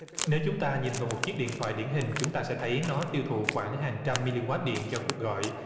nếu chúng ta nhìn vào một chiếc điện thoại điển hình chúng ta sẽ thấy nó tiêu thụ khoảng hàng trăm mi li oát điện cho cuộc gọi